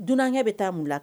Dunankɛ bɛ taa mun ia?